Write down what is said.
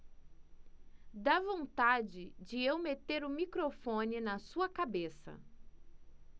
dá vontade de eu meter o microfone na sua cabeça